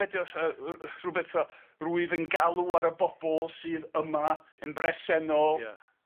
...be di o sy- yy yy rhwbeth fel rywf yn galw ar y bobl sydd yma yn bresenol. Ia.